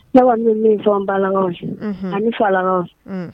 Ne kɔnni bɛ min fɔ an balakaw ani falakaw